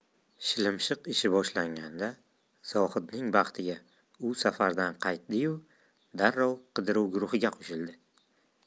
shilimshiq ishi boshlanganida zohidning baxtiga u safardan qaytdi yu darrov qidiruv guruhiga qo'shildi